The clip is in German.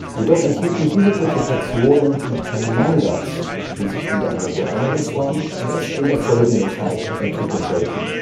Jedoch enthielten diese Publikationen noch keine Mangas, die sich in der modernen Form erst in der folgenden Zeit entwickeln sollten